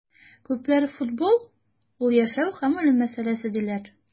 Күпләр футбол - ул яшәү һәм үлем мәсьәләсе, диләр.